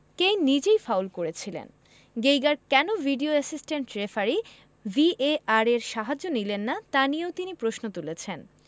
Kane নিজেই foul করেছিলেন Geiger কেন ভিডিও অ্যাসিস্ট্যান্ট রেফারি ভিএআর সাহায্য নিলেন না তা নিয়েও প্রশ্ন তুলেছেন